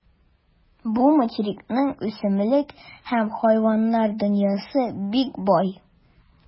Бу материкның үсемлек һәм хайваннар дөньясы бик бай.